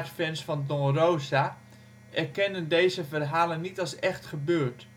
Fans van Don Rosa en Barks erkennen deze verhalen niet als " echt gebeurd